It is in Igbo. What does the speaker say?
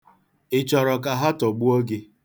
Ị chọrọ ka ha tọgbuo gị?